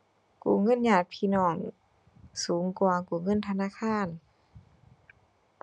กู้เงินญาติพี่น้องสูงกว่ากู้เงินธนาคาร